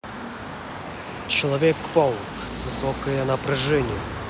человек паук высокое напряжение